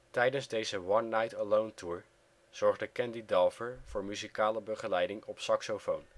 Tijdens deze One Nite Alone Tour zorgde Candy Dulfer voor muzikale begeleiding op saxofoon